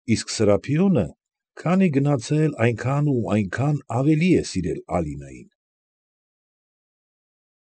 Իսկ Սրափիոնը քանի գնացել այնքան ու այնքան ավելի է սիրել Ալինային։